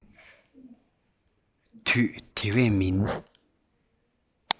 དུས དེ བས མིན